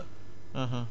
du engrais